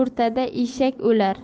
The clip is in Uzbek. o'rtada eshak o'lar